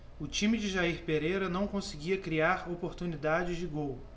o time de jair pereira não conseguia criar oportunidades de gol